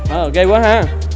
ờ ghê quá ha